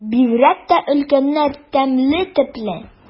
Бигрәк тә өлкәннәр тәмле телле.